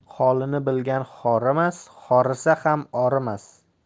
holini bilgan horimas horisa ham orimas